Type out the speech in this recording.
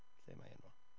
Lle mae ei enw o?